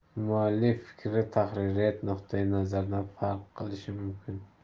muallif fikri tahririyat nuqtai nazaridan farq qilishi mumkin